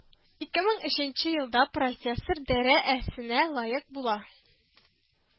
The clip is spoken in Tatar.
Ике мең өченче елда елда профессор дәрә әсенә лаек була